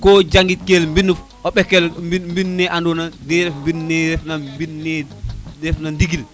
ko jangit kel mbinof o ɓekel mbine andona de ref mbine ref na ndigil